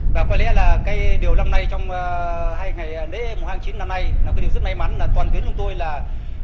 và có lẽ là cái điều năm nay trong hai ngày lễ mùng hai tháng chín năm nay là cái điều rất may mắn là toàn tuyến chúng tôi là